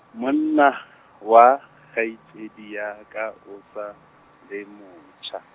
monna, wa, kgaitsedi ya ka, o sa, le motjha.